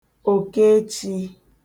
òkèchī